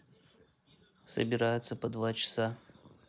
собирается по два часа